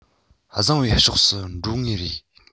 བཟང བའི ཕྱོགས སུ འགྲོ ངེས རེད